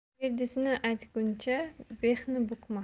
berdisini aytguncha behni bukma